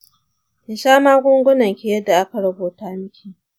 ki sha magungunanki yadda aka rubuta miki.